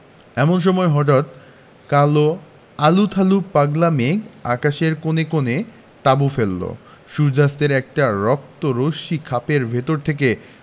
এমন সময় হঠাৎ কাল আলুথালু পাগলা মেঘ আকাশের কোণে কোণে তাঁবু ফেললো সূর্য্যাস্তের একটা রক্ত রশ্মি খাপের ভেতর থেকে